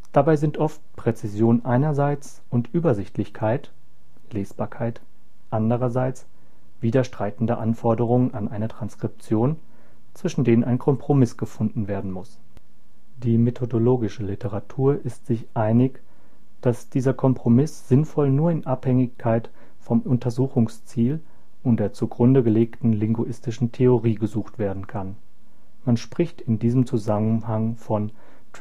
Dabei sind oft Präzision einerseits und Übersichtlichkeit („ Lesbarkeit “) andererseits widerstreitende Anforderungen an eine Transkription, zwischen denen ein Kompromiss gefunden werden muss. Die methodologische Literatur ist sich einig, dass dieser Kompromiss sinnvoll nur in Abhängigkeit vom Untersuchungsziel und der zugrunde gelegten linguistischen Theorie gesucht werden kann. Man spricht in diesem Zusammenhang von „ Transcription